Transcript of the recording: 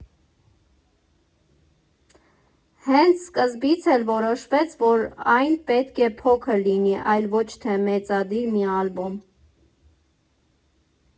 Հենց սկզբից էլ որոշվեց, որ այն պետք է փոքր լինի, այլ ոչ թե մեծադիր մի ալբոմ։